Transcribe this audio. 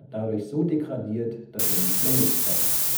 dadurch so degradiert, dass er nicht mehr nutzbar ist